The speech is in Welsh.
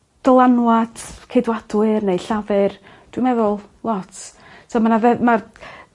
dylanwad Ceidwadwyr neu Llafur dwi'n meddwl lot. So ma' 'na dde- ma'r